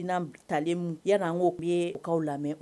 I talen yan' ko u ye'aw lamɛn